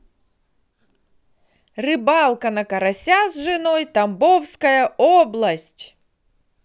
рыбалка на карася с женой тамбовская область